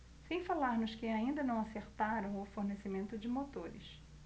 sem falar nos que ainda não acertaram o fornecimento de motores